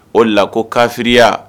O la ko kafiya